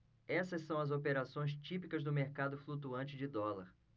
essas são as operações típicas do mercado flutuante de dólar